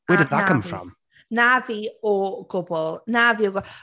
Where did that come from?... Na fi o gwbl. Na fi o gw-.